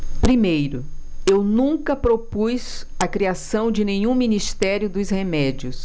primeiro eu nunca propus a criação de nenhum ministério dos remédios